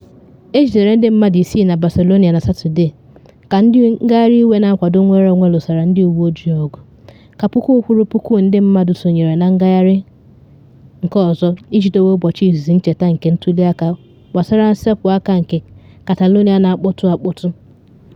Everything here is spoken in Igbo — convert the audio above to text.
Ejidere ndị mmadụ isii na Barcelona na Satọde ka ndị ngagharị iwe na akwado nnwere onwe lụsara ndị uwe ojii ọgụ, ka puku kwụrụ puku ndị mmadụ sonyere na ngagharị nke ọzọ iji dowe ụbọchị izizi ncheta nke ntuli aka gbasara nsepụ aka nke Catalonia na akpọtụ akpọtụ.